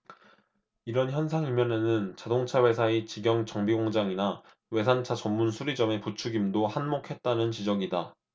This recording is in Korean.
이런 현상 이면에는 자동차회사의 직영 정비공장이나 외산차 전문수리점의 부추김도 한몫했다는 지적이다